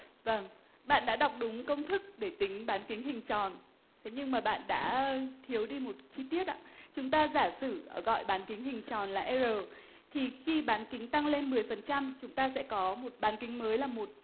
vâng bạn đã đọc đúng công thức để tính bán kính hình tròn thế nhưng mà bạn đã thiếu đi một chi tiết ạ chúng ta giả sử gọi bán kính hình tròn là e rờ thì khi bán kính tăng lên mười phần trăm chúng ta sẽ có một bán kính mới là một